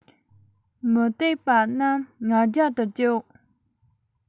མུ སྟེགས པ རྣམས ང རྒྱལ དུ བཅུག